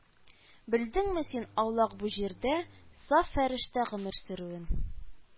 Белдеңме син аулак бу җирдә Саф фәрештә гомер сөрүен